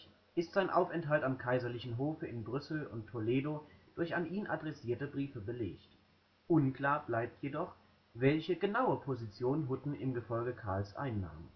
sein Aufenthalt am kaiserlichen Hof in Brüssel und Toledo durch an ihn adressierte Briefe belegt. Unklar bleibt jedoch, welche genaue Position Hutten im Gefolge Karls einnahm